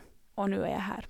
Og nå er jeg her.